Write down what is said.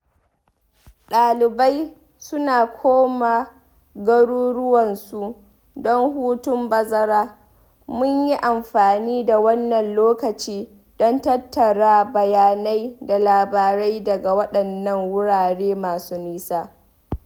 Ɗalibai suna koma garuruwansu don hutun bazara: mun yi amfani da wannan lokaci don tattara bayanai da labarai daga waɗannan wurare masu nisa.